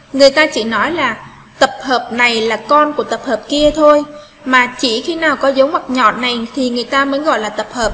người ta chỉ nói là tập hợp này là con của tập hợp kia thôi mà chỉ khi nào có dấu ngoặc nhọn này thì người ta mới gọi là tập hợp